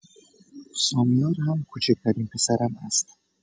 سامیار هم کوچک‌ترین پسرم است.